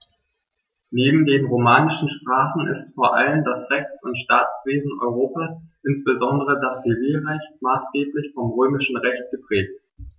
Neben den romanischen Sprachen ist vor allem das Rechts- und Staatswesen Europas, insbesondere das Zivilrecht, maßgeblich vom Römischen Recht geprägt.